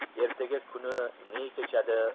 ertaga kuni ne kechadi